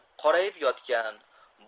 qorayib yotgan